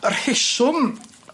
Y rheswm